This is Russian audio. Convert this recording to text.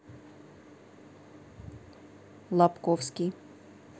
лабковский